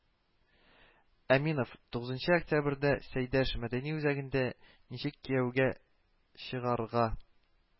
Әминов тугызынчы октябрьдә Сәйдәш мәдәни үзәгендә, Ничек кияүгә чыгарга